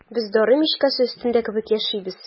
Без дары мичкәсе өстендә кебек яшибез.